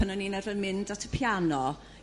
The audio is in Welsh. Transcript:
pan o'n i'n arfer mynd at y piano